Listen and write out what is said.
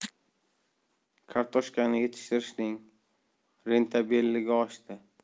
kartoshkani yetishtirishning rentabelligi oshdi